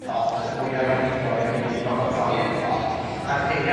pot y mwya o blanhigion 'ych chi myn' i goffod roi yn y pot, a'r lleia